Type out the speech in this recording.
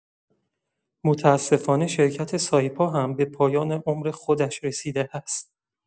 متاسفانه شرکت سایپا هم به پایان عمر خودش رسیده است.